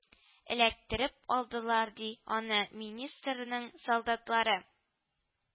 Эләктереп алдылар, ди, аны министрның солдатлары